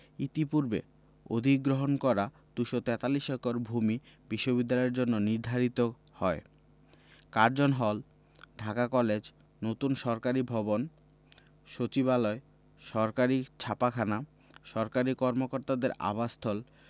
ইতিপূর্বে অধিগ্রহণ করা ২৪৩ একর ভূমি বিশ্ববিদ্যালয়ের জন্য নির্ধারিত হয় কার্জন হল ঢাকা কলেজ নতুন সরকারি ভবন সচিবালয় সরকারি ছাপাখানা সরকারি কর্মকর্তাদের আবাসস্থল